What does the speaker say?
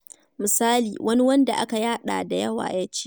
Misali, wani wanda aka yaɗa da yawa ya ce: